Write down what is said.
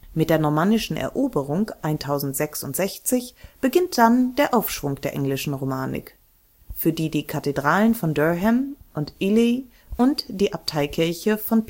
Mit der normannischen Eroberung 1066 beginnt dann der Aufschwung der englischen Romanik, für die die Kathedralen von Durham und Ely und die Abteikirche von